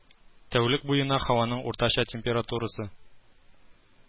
Тәүлек буена һаваның уртача температурасы